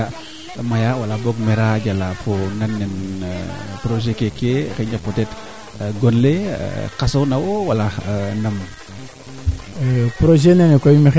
ndaa a koɓale tamit teena fogu konn i ndeta nga bo rooga fokata in nowe an naye kaa i njang nita na koɓale keeke fadiida nga aussi o mbela qinax o maak a refu na mi Djiby keene moom o mbele qinax o maako parce que i ɓanda keete fiya koɓale